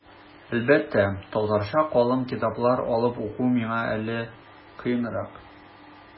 Әлбәттә, татарча калын китаплар алып уку миңа әле кыенрак.